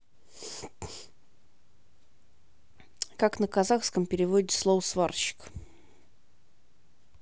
как на казахском переводится слово сварщик